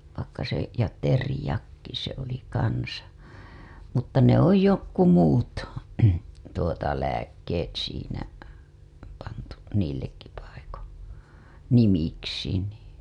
vaikka se ja teriakki se oli kanssa mutta ne ole jotkut muut tuota lääkkeet siinä pantu niillekin paikoin nimiksi niin